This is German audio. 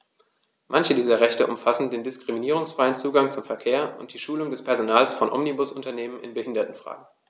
Manche dieser Rechte umfassen den diskriminierungsfreien Zugang zum Verkehr und die Schulung des Personals von Omnibusunternehmen in Behindertenfragen.